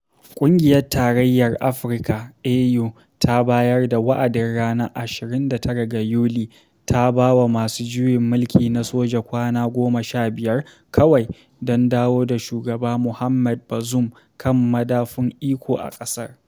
Ƙungiyar Tarayyar Afirka (AU), ta bayar da wa’adin ranar 29 ga Yuli, ta ba wa masu juyin mulki na soja kwana 15 kawai don dawo da shugaba Mohamed Bazoum kan madafun iko a ƙasar.